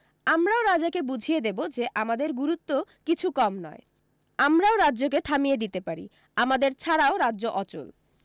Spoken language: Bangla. আমরাও রাজাকে বুঝিয়ে দেব যে আমাদের গুরুত্তও কিছু কম নয় আমরাও রাজ্যকে থামিয়ে দিতে পারি আমাদের ছাড়াও রাজ্য অচল